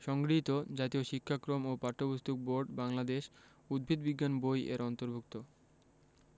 সংগৃহীত জাতীয় শিক্ষাক্রম ও পাঠ্যপুস্তক বোর্ড বাংলাদেশ উদ্ভিদ বিজ্ঞান বই এর অন্তর্ভুক্ত